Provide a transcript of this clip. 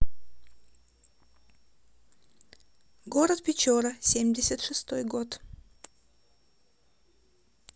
город печора семьдесят шестой год